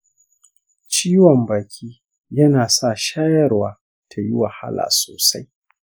ciwon baki yana sa shayarwa ta yi wahala sosai.